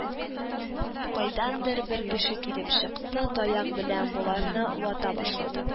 Кайдандыр бер кеше килеп чыкты, таяк белән боларны вата башлады